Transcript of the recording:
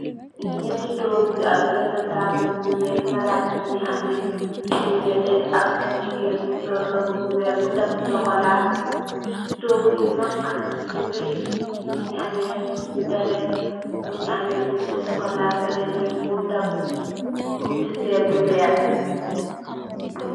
Nyati toogu ak bena taabul bu weeh, maraach bi mungi ameh lu neteh, ak jigeen bu sol robu bu weeh, bunta bu sokolaa, toogu yu mak, yu reuy, ñungi ameh tele, mungi ameh bunti sokolaa, faleh bunti seetu weer.